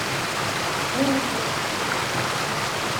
เพิ่มระดับเสียง